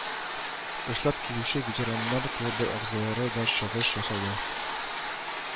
Эшләп килүче ветераннар клубы әгъзалары да чыгыш ясады